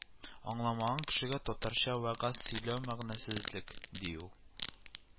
Аңламаган кешегә татарча вәгазь сөйләү мәгънәсезлек , ди ул